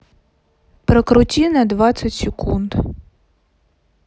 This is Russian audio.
прокрути на двадцать секунд